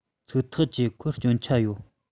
ཚིག ཐག བཅད ཁོས སྐྱོན ཆ ཡོད